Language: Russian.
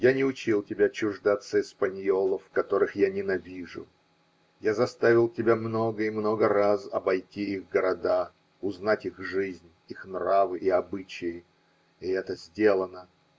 Я не учил тебя чуждаться эспаньолов, которых я ненавижу, -- я заставил тебя много и много раз обойти их города, узнать их жизнь, их нравы и обычаи -- и это сделано.